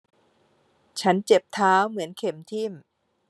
ฉันเจ็บเท้าเหมือนเข็มทิ่ม